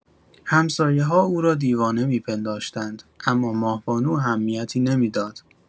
همسایه‌ها او را دیوانه می‌پنداشتند، اما ماه‌بانو اهمیتی نمی‌داد.